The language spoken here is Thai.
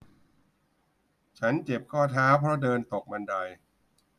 ฉันเจ็บข้อเท้าเพราะเดินตกบันได